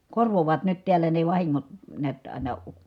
korvaavat nyt täällä ne vahingot näet aina